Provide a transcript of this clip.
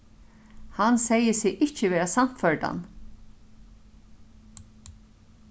hann segði seg ikki vera sannførdan